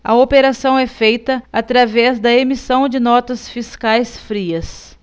a operação é feita através da emissão de notas fiscais frias